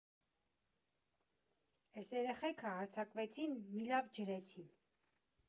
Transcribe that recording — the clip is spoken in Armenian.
Էս երեխեքը հարձակվեցին, մի լավ ջրեցին։